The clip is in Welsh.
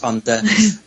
...ond yy...